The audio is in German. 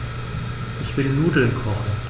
Ich will Nudeln kochen.